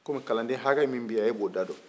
komi kalanden hakɛ min bɛ yan e b'o da don